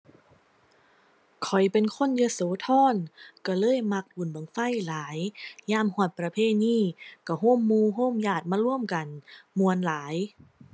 ข้อยเป็นคนยโสธร ก็เลยมักบุญบั้งไฟหลาย ยามฮอดประเพณี ก็โฮมหมู่ โฮมญาติมารวมกัน ม่วนหลาย